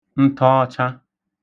nṫəəcha